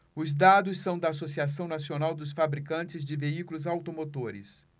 os dados são da anfavea associação nacional dos fabricantes de veículos automotores